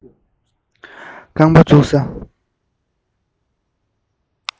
རྐང པ འཛུགས ས